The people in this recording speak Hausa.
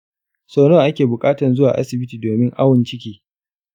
so nawa ake bukatan zuwa asibiti domin awon ciki